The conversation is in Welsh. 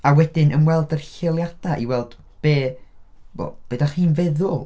A wedyn ymweld â'r lleoliadau i weld be... wel, be dach chi'n feddwl.